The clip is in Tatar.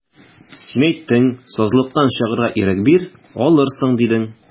Син әйттең, сазлыктан чыгарга ирек бир, алырсың, дидең.